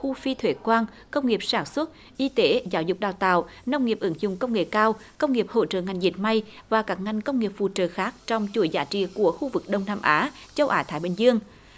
khu phi thuế quan công nghiệp sản xuất y tế giáo dục đào tạo nông nghiệp ứng dụng công nghệ cao công nghiệp hỗ trợ ngành dệt may và các ngành công nghiệp phụ trợ khác trong chuỗi giá trị của khu vực đông nam á châu á thái bình dương